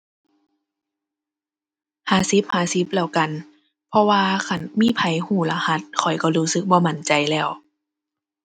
ห้าสิบห้าสิบแล้วกัน เพราะว่าคันมีไผรู้รหัส ข้อยรู้รู้สึกบ่มั่นใจแล้ว